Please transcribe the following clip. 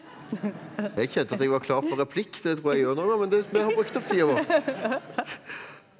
jeg kjente at jeg var klar for replikk det tror jeg Jørn òg var men det vi har brukt opp tida.